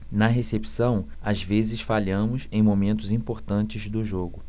na recepção às vezes falhamos em momentos importantes do jogo